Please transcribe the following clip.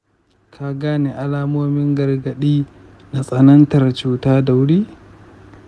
ka gane alamomin gargaɗi na tsanantar cuta da wuri.